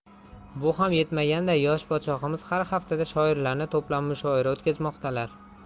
bu ham yetmaganday yosh podshohimiz har haftada shoirlarni to'plab mushoira o'tkazmoqdalar